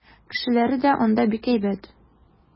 Кешеләре дә анда бик әйбәт.